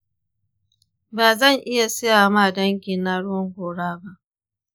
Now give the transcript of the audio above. bazan iya siya ma dangi na ruwan gora ba.